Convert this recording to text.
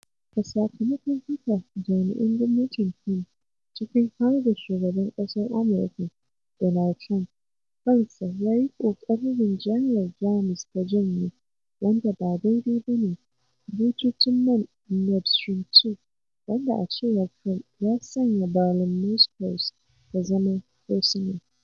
A sakamakon haka, jami'an gwamnatin Trump, ciki har da shugaban ƙasar Amurka Donald Trump kansa, yayi ƙoƙarin rinjayar Jamus ta janye "wanda ba daidai ba ne" bututun man Nord Stream 2, wanda a cewar Trump, ya sanya Berlin Moscow’s ta zama “fursuna”.